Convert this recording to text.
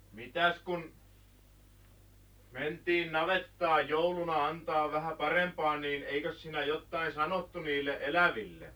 mitäs kun mentiin navettaan jouluna antamaan vähän parempaa niin eikös siinä jotakin sanottu niille eläville